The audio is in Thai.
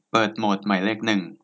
เปิดโหมดหมายเลขหนึ่ง